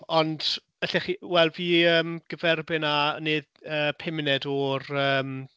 Ond alle chi... Wel fi yym gyferbyn a... neu yy pum munud o'r yym